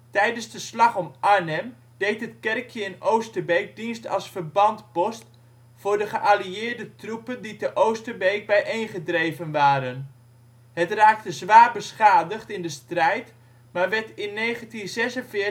Tijdens de Slag om Arnhem deed het kerkje in Oosterbeek dienst als verbandpost voor de geallieerde troepen die te Oosterbeek bijeengedreven waren. Het raakte zwaar beschadigd in de strijd maar werd in 1946